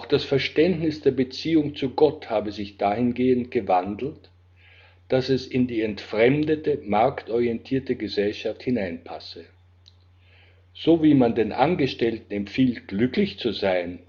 das Verständnis der Beziehung zu Gott habe sich dahingehend gewandelt, dass es in die entfremdete, marktorientierte Gesellschaft hineinpasse: So wie man Angestellten empfiehlt, glücklich zu sein